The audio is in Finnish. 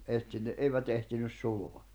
- eivät ehtinyt sulaa